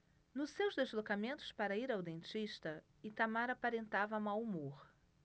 nos seus deslocamentos para ir ao dentista itamar aparentava mau humor